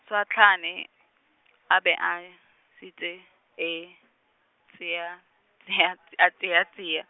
Swahlane , a be a, šetše e tšea, tšea t-, a tšea tšea.